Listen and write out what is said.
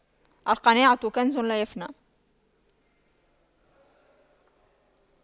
القناعة كنز لا يفنى